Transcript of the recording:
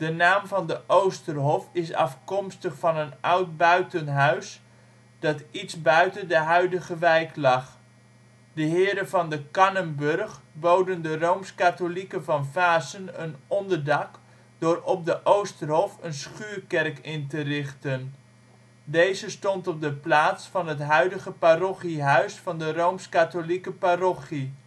naam van de Oosterhof is afkomstig van een oud buitenbuis dat iets buiten de huidige wijk lag. De heren van de Cannenburgh boden de rooms-katholieken van Vaassen een onderdak door op de Oosterhof een schuurkerk in te richten. Deze stond op de plaats van het huidige parochiehuis van de rooms-katholieke parochie